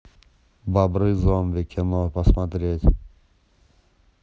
бобры зомби кино посмотреть